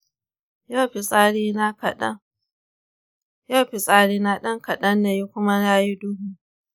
yau fitsari na dan kadan nayi kuma yayi duhu.